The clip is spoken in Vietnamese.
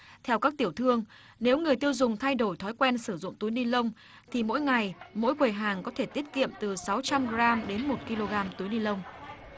theo các tiểu thương nếu người tiêu dùng thay đổi thói quen sử dụng túi ni lông thì mỗi ngày mỗi quầy hàng có thể tiết kiệm từ sáu trăm gờ ram đến một ki lô gam túi ni lông